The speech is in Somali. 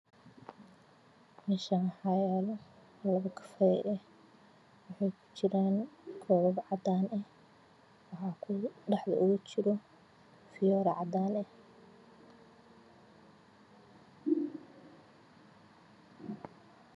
Meshsn waxayalo labo kafey ah waxey kujiran kobab cadan ah waxa dhaxda ugajira fiyora cadan ah